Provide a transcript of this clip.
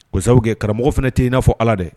Osago kɛ karamɔgɔ fana tɛ i n'a fɔ ala dɛ